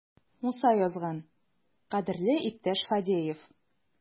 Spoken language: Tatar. Муса язган: "Кадерле иптәш Фадеев!"